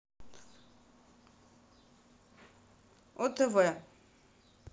отв